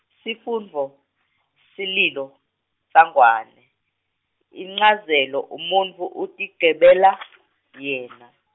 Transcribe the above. sifundvo , sililo SaNgwane, inchazelo, umuntfu utigcebela yena.